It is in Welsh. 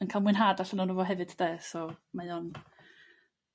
yn ca'l mwynhad allan o'no fo hefyd 'de, so mae o'n